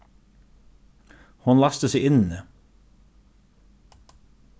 hon læsti seg inni